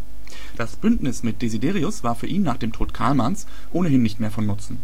Desiderius war für ihn nach dem Tod Karlmanns ohnehin nicht mehr von Nutzen